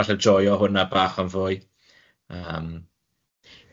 Falle joio hwnna bach yn fwy.